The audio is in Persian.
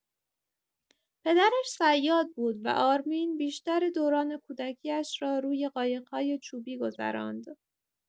پدرش صیاد بود و آرمین بیشتر دوران کودکی‌اش را روی قایق‌های چوبی گذراند.